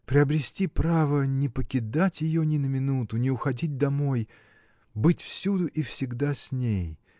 – Приобрести право не покидать ее ни на минуту, не уходить домой. быть всюду и всегда с ней.